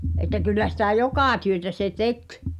että kyllä sitä joka työtä se teki